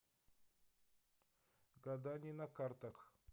гадание на картах